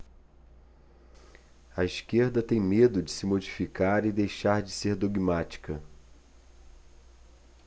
a esquerda tem medo de se modificar e deixar de ser dogmática